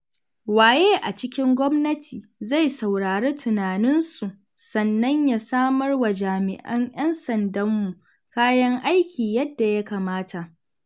Waye a cikin gwamnati zai saurari tunaninsu sannan ya samar wa jami'an 'yan sandanmu kayan aiki yadda ya kamata?